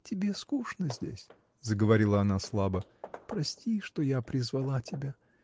— Тебе скучно здесь, — заговорила она слабо, — прости, что я призвала тебя.